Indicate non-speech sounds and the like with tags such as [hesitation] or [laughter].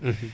[hesitation] [hesitation]